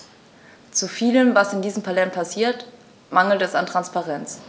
Zu vielem, was in diesem Parlament passiert, mangelt es an Transparenz.